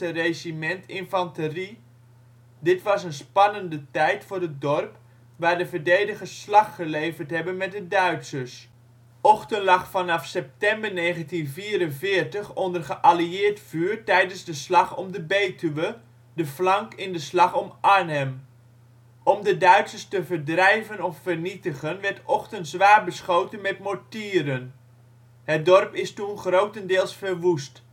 regiment infanterie. Dit was een spannende tijd voor het dorp, waar de verdedigers slag geleverd hebben met de Duitsers. Ochten lag vanaf september 1944 onder geallieerd vuur tijdens de slag om de Betuwe, de flank in de slag om Arnhem. Om de Duitsers te verdrijven of vernietigen werd Ochten zwaar beschoten met mortieren. Het dorp is toen grotendeels verwoest